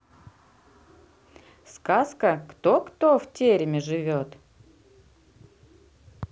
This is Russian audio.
сказка кто кто в тереме живет